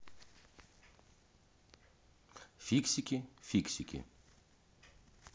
фиксики фиксики